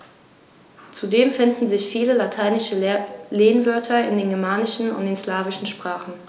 Zudem finden sich viele lateinische Lehnwörter in den germanischen und den slawischen Sprachen.